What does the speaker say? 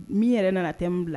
Min yɛrɛ nana thème bila.